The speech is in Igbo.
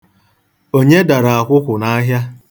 Onye dara akwụkwụ n'ahịa?